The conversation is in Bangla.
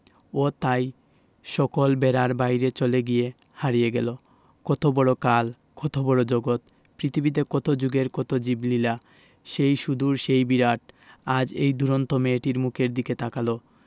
ও তাই সকল বেড়ার বাইরে চলে গিয়ে হারিয়ে গেল কত বড় কাল কত বড় জগত পৃথিবীতে কত জুগের কত জীবলীলা সেই সুদূর সেই বিরাট আজ এই দুরন্ত মেয়েটির মুখের দিকে তাকাল